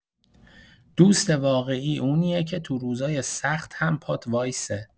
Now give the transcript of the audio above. دوست واقعی اونیه که تو روزای سخت هم پات وایسه.